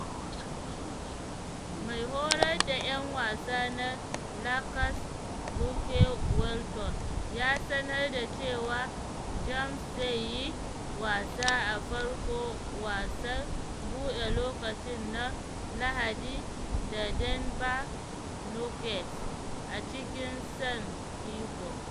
Mai horar da ‘yan wasa na Lakers Luke Walton ya sanar da cewa James zai yi wasa a farkon wasan bude lokaci na Lahdi da Denver Nuggets a cikin San Diego.